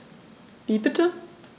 Wie bitte?